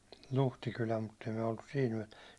Luhtikylä mutta ei me oltu siellä yötä